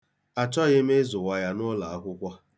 Achọghị m ịzụwa ya n'ụlọakwụkwọ.